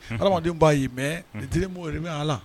Adamadenw b'a ye mɛ dimo i bɛ a la